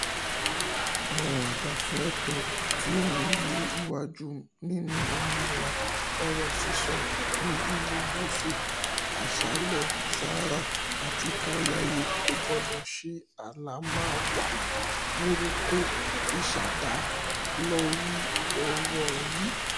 Àwọn ajàfúnẹ̀tọ́ tí ó ń lé iwájú nínú òmìnira ọ̀rọ̀ sísọ ní ìlú-Gúúsù-Aṣálẹ̀-Sàhárà àti káríayé kò gbọdọ̀ ṣe aláì máà wá wọ̀rọ̀kọ̀ fi ṣ'àdá lórí ọ̀ràn yìí.